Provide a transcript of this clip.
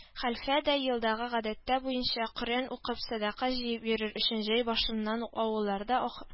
Хәлфә дә, елдагы гадәттә буенча, Коръән укып, сәдака җыеп йөрер өчен җәй башыннан ук авылларда ах